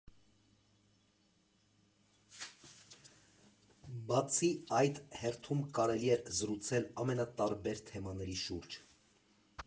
Բացի այդ, հերթում կարելի էր զրուցել ամենատարբեր թեմաների շուրջ.